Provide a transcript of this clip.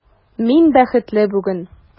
Мин бәхетле бүген!